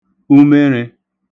umeṙē